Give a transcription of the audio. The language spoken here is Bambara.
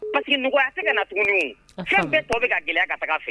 Parcen a seginna ka na tuguniun fɛn bɛɛ to bɛ ka gɛlɛya ka taa fɛ